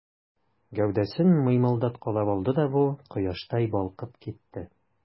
Гәүдәсен мыймылдаткалап алды да бу, кояштай балкып китте.